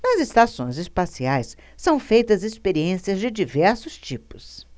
nas estações espaciais são feitas experiências de diversos tipos